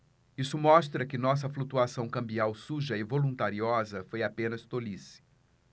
isso mostra que nossa flutuação cambial suja e voluntariosa foi apenas tolice